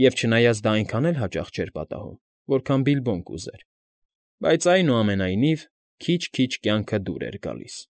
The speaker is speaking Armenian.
Եվ չնայած դա այնքան էլ հաճախ չէր պատահում, որքան Բիլբոն կուզեր, բայց, այնուամենայնիվ, քիչ֊քիչ կյանքը դուր էր գալիս։